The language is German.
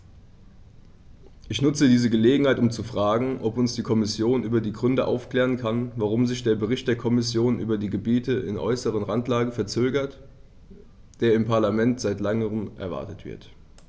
Ich nutze diese Gelegenheit, um zu fragen, ob uns die Kommission über die Gründe aufklären kann, warum sich der Bericht der Kommission über die Gebiete in äußerster Randlage verzögert, der im Parlament seit längerem erwartet wird.